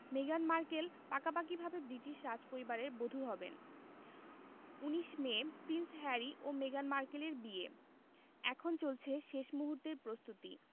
মেগান মার্কেল পাকাপাকিভাবে ব্রিটিশ রাজপরিবারের বধূ হবেন ১৯ মে প্রিন্স হ্যারি ও মেগান মার্কেলের বিয়ে এখন চলছে শেষ মুহূর্তের প্রস্তুতি